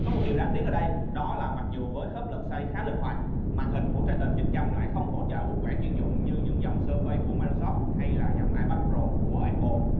có một điều đáng tiếc ở đây đó là mặc dù với khớp lật xoay khá linh hoạt màn hình của triton lại không hỗ trợ bút vẽ chuyên dụng như những dòng surface của ms hay là dòng ipad pro của apple